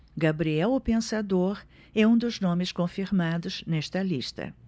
gabriel o pensador é um dos nomes confirmados nesta lista